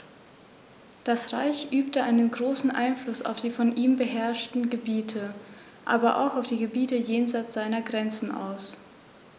Das Reich übte einen großen Einfluss auf die von ihm beherrschten Gebiete, aber auch auf die Gebiete jenseits seiner Grenzen aus.